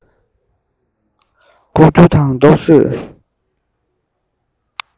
ལྐོག འགྱུར དང རྟོག བཟོས